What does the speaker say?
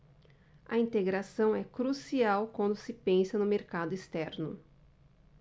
a integração é crucial quando se pensa no mercado externo